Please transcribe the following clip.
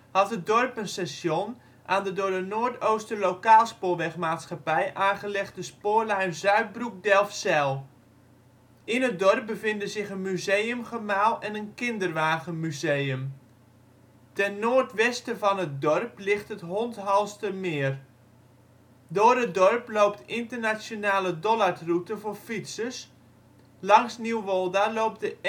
had het dorp een station aan de door de Noordoosterlocaalspoorweg-Maatschappij aangelegde spoorlijn Zuidbroek - Delfzijl. In het dorp bevinden zich een museumgemaal en een kinderwagenmuseum. Ten noordwesten van het dorp ligt het Hondshalstermeer. Door het dorp loopt Internationale Dollardroute voor fietsers. Langs Nieuwolda loopt de